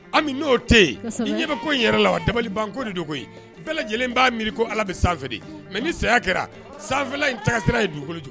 Ami n'o tɛ yen ɲɛ bɛ ko in yɛrɛ la wa dabali banko de ko bɛɛ lajɛlen b'a miiri ko ala bɛ san feere mɛ ni saya kɛra sanfɛ in tagasira ye dugukolo kojugu